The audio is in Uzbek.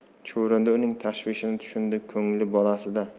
chuvrindi uning tashvishini tushundi ko'ngli bolasida